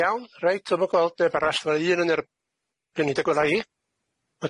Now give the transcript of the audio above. Iawn reit dwi'm yn gweld neb arall ma' un yn yr bennid agweddau hi.